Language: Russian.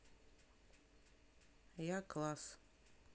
я класс